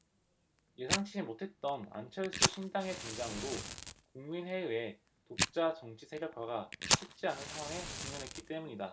예상치 못했던 안철수 신당의 등장으로 국민회의의 독자 정치세력화가 쉽지 않은 상황에 직면했기 때문이다